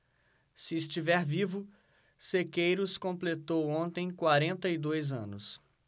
se estiver vivo sequeiros completou ontem quarenta e dois anos